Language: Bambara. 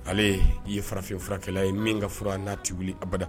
Ale i ye farafefurakɛla ye min ka fura a n' ti abada